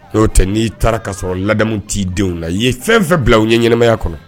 N'o tɛ n'i taara ka sɔrɔ ladamu t'i denw na, i ye fɛn fɛn bila u ɲɛ ɲɛnɛmaya kɔnɔ